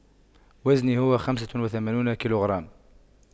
وزني هو خمسة وثمانون كيلوغرام